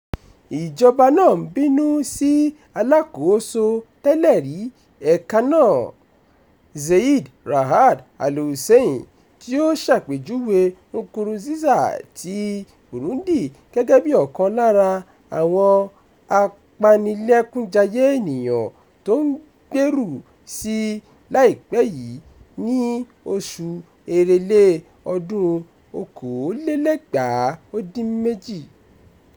Ìjọba náà ń bínú sí alákòóso tẹ́lẹ̀-rí ẹ̀ka náà, Zeid Ra'ad Al Hussein tí ó ṣàpèjúwe Nkurunziza ti Burundi gẹ́gẹ́ bí ọkàn lára "àwọn apanilẹ́kúnjayé ènìyàn tí ó ń gbèrú sí i láìpẹ́ yìí" ní oṣù Èrèlé 2018.